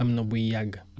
am na buy yàgg